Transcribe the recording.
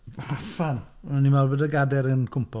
Wffan, o'n i'n meddwl bod y gadair yn cwympo.